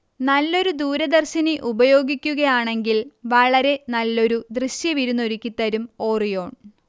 നല്ലൊരു ദൂരദർശിനി ഉപയോഗിക്കുകയാണെങ്കിൽ വളരെ നല്ലൊരു ദൃശ്യവിരുന്നൊരുക്കിത്തരും ഓറിയോൺ